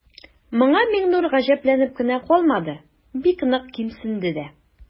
Моңа Миңнур гаҗәпләнеп кенә калмады, бик нык кимсенде дә.